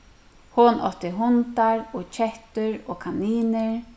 hon átti hundar og kettur og kaninir